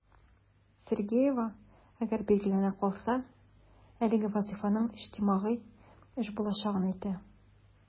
Сергеева, әгәр билгеләнә калса, әлеге вазыйфаның иҗтимагый эш булачагын әйтә.